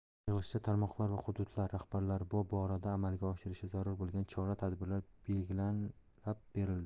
yig'ilishda tarmoqlar va hududlar rahbarlari bu borada amalga oshirishi zarur bo'lgan chora tadbirlar belgilab berildi